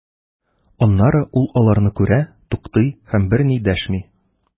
Аннары ул аларны күрә, туктый һәм берни дәшми.